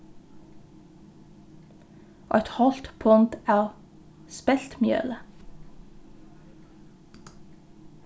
eitt hálvt pund av speltmjøli